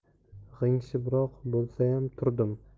g'ingshibroq bo'lsayam turdim